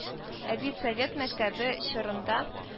Ә бит совет мәктәбе чорында